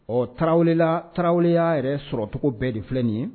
Ɔ tarawelela taraweleya yɛrɛ sɔrɔcogo bɛɛ de filɛ nin ye